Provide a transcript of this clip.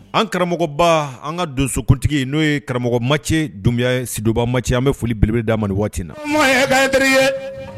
An karamɔgɔba an ka donsokuntigi n'o ye karamɔgɔmacɛ dunbuya sidubamati an bɛ foli belebda man waati na ye